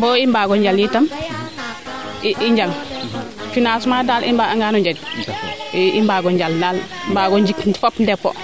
boo i mbaago njal itam i njal financement daal i mbag angaan o jeg i i mbaago njal daal mbaago njik fop depot